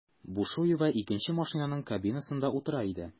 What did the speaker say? Бушуева икенче машинаның кабинасында утыра иде.